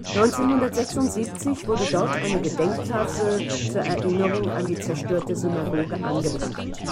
1976 wurde dort eine Gedenktafel zur Erinnerung an die zerstörte Synagoge angebracht